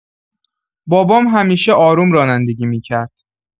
بابام همیشه آروم رانندگی می‌کرد.